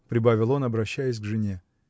-- прибавил он, обращаясь к жене.